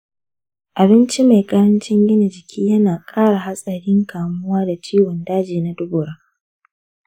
abinci mai karancin gina jiki yana kara hatsarin kamuwa da ciwon daji na dubura.